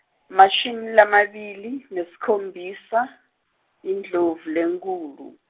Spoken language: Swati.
mashumi lamabili, nesikhombisa, Indlovulenkhulu.